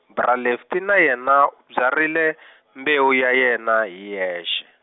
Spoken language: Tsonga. bra Lefty na yena u byarhile , mbewu ya yena hi yexe.